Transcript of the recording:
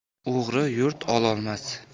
o'g'ri yurt ololmas